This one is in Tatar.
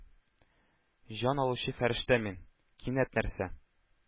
Җан алучы фәрештә мин! — Кинәт нәрсә?